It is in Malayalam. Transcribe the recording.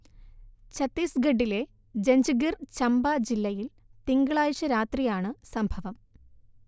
ചത്തീസ്ഗഢിലെ ജഞ്ച്ഗിർ ചമ്പ ജില്ലയിൽ തിങ്കളാഴ്ച്ച രാത്രിയാണ് സംഭവം